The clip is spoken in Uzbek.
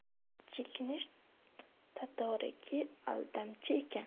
chekinish tadorigi aldamchi ekan